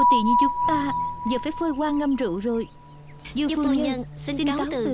tì như chúng ta giờ phải phơi hoa ngâm rượu rồi dương phu nhân xin cáo từ